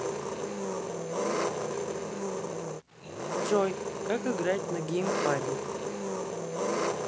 джой как играть на геймпаде